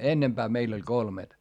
ennempää meillä oli kolmet